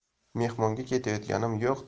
mehmonga ketayotganim yo'q